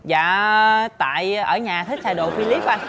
dạ tại ở nhà thích thay đồ phi líp anh